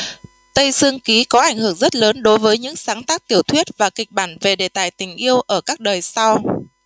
tây sương kí có ảnh hưởng rất lớn đối với những sáng tác tiểu thuyết và kịch bản về đề tài tình yêu ở các đời sau